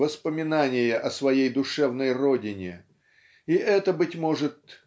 воспоминание о своей душевной родине и это быть может